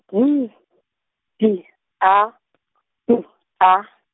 N, D, A , B, A.